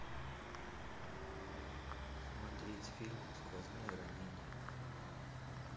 смотреть фильм сквозные ранения